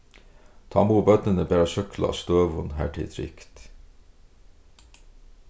tá mugu børnini bara súkkla á støðum har tað er trygt